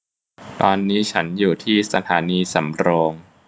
ตอนนี้ฉันอยู่ที่สถานีสำโรง